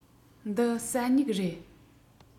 འདི ས སྨྱུག རེད